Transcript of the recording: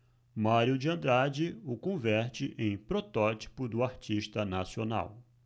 mário de andrade o converte em protótipo do artista nacional